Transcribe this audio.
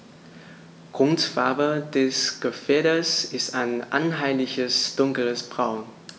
Grundfarbe des Gefieders ist ein einheitliches dunkles Braun.